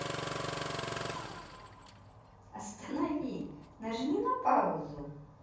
останови нажми на паузу